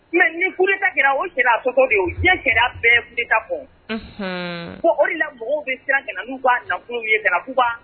Sinon ni coup d'état kɛra o ye sariya sɔsɔ de ye o. Diɲɛ sariya bɛ ye coup d'état kɔn. Unuhn; O de la mɔgɔw bɛ siran ka na n'u ka nafolo ye, kana k'u b'a